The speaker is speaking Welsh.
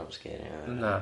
Na.